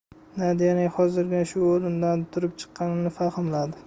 nadyaning hozirgina shu o'rindan turib chiqqanini fahmladi